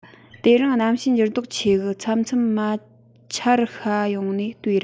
དེ རིང གནམ གཤིས འགྱུར ལྡོག ཆེ གི མཚམས མཚམས མ ཆར ཤྭ ཡོང ནོ ལྟོས ར